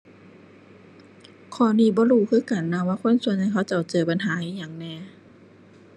ข้อนี้บ่รู้คือกันนะว่าคนส่วนใหญ่เขาเจ้าเจอปัญหาอิหยังแหน่